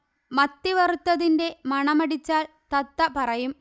മത്തി വറുത്തതിന്റെ മണമടിച്ചാൽ തത്ത പറയും